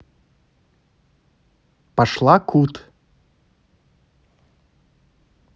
пошла cut